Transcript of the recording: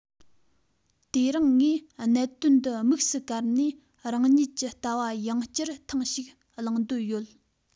དེ རིང ངས གནད དོན འདི དམིགས སུ བཀར ནས རང ཉིད ཀྱི ལྟ བ ཡང བསྐྱར ཐེངས ཤིག གླེང འདོད ཡོད